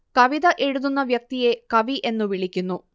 കവിത എഴുതുന്ന വ്യക്തിയെ കവി എന്നു വിളിക്കുന്നു